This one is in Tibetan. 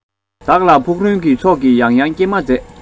བདག ལ ཕུག རོན གྱི ཚོགས ཀྱིས ཡང ཡང སྐྱེལ མ མཛད